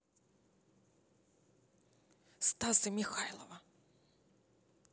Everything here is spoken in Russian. стаса михайлова